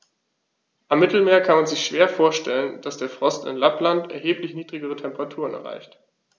Am Mittelmeer kann man sich schwer vorstellen, dass der Frost in Lappland erheblich niedrigere Temperaturen erreicht.